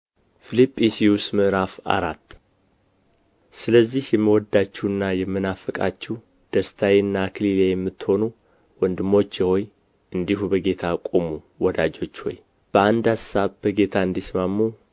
ፊልጵስዩስ ምዕራፍ አራት ስለዚህ የምወዳችሁና የምናፍቃችሁ ደስታዬና አክሊሌ የምትሆኑ ወንድሞቼ ሆይ እንዲሁ በጌታ ቁሙ ወዳጆች ሆይ በአንድ አሳብ በጌታ እንዲስማሙ